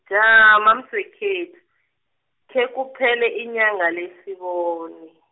jama mswekhethu, khekuphele inyanga le, sibone.